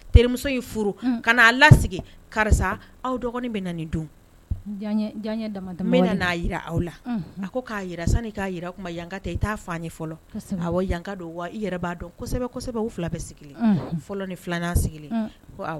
Terimuso furu la karisa aw dɔgɔnin bɛ dun'a jira aw la a ko k'a jira sanu k'a jira o kuma ma yanka ta i t'a fa ye fɔlɔ a yanka don wa i yɛrɛ b'a dɔnsɛbɛsɛbɛ fila bɛ sigilen fɔlɔ ni filan sigilen